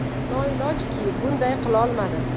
nailojki bunday qilolmadi